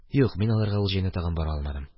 Юк, мин аларга ул җәйне тагын бара алмадым.